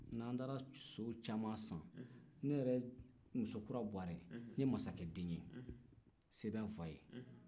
n'an taara so caman san ne yɛrɛ musokura buwarɛ n ye mankɛ den ye se bɛ n fa ye